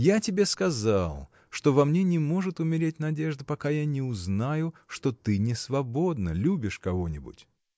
— Я тебе сказал, что во мне не может умереть надежда, пока я не узнаю, что ты не свободна, любишь кого-нибудь.